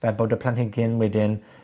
fel bod y planhigyn wedyn